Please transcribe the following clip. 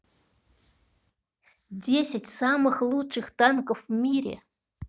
десять самых лучших танков в мире